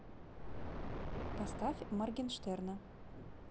поставь моргенштерна